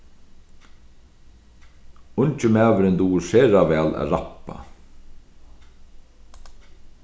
ungi maðurin dugir sera væl at rappa